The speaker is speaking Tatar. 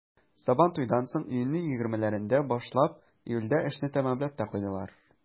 Сабантуйдан соң, июньнең 20-ләрендә башлап, июльдә эшне тәмамлап та куйдылар.